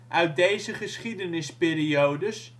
uit deze geschiedenisperiodes